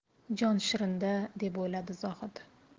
jon shirin da deb o'yladi zohid